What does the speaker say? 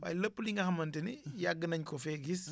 waaye lépp li nga xamante ni yàgg nañ ko fee gis